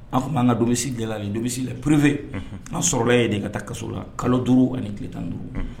An tun b'an ka donbi gɛlɛla donbisi la purpfe an sɔrɔ ye de ka taa kaso la kalo duuru ani ni tile tan duuru